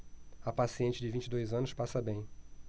a paciente de vinte e dois anos passa bem